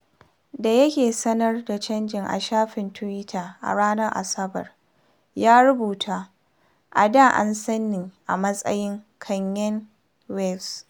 Da yake sanar da canjin a shafin Twitter a ranar Asabar, ya rubuta: “A da an san ni a matsayin Kanye West.”